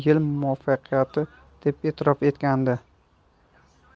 yil muvaffaqiyati deb e'tirof etgandi